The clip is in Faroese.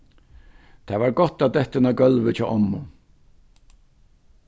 tað var gott at detta inn á gólvið hjá ommu